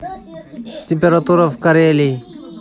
температура в карелии